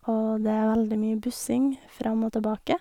Og det er veldig mye bussing fram og tilbake.